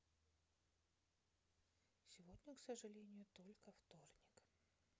сегодня к сожалению только вторник